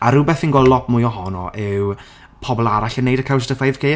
A rywbeth fi'n gweld lot mwy ohonno yw pobl arall yn wneud y "Couch to five K"'.